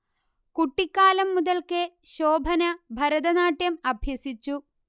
കുട്ടിക്കാലം മുതൽക്കേ ശോഭന ഭരതനാട്യം അഭ്യസിച്ചു